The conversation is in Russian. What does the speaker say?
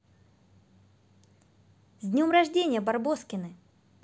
с днем рождения барбоскины